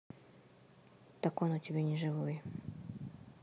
так он у тебя не живой